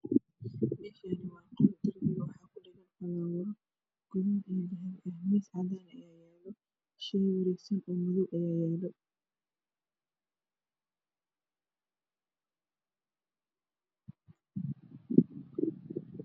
Meeshaan waa qol darbiga waxaa kudhagan falaawaro gaduud iyo dahabi ah. Miis cadaan ah ayaa yaalo. Shini wareegsan oo madow ayaa yaalo.